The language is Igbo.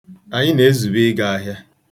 Anyị na-ezube ịga ahịa.